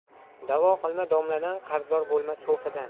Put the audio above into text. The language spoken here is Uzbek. da'vo qilma domladan qarzdor bo'lma so'fidan